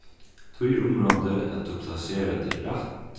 tí er umráðandi at tú plaserar teg rætt